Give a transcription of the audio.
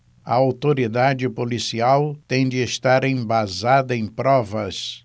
a autoridade policial tem de estar embasada em provas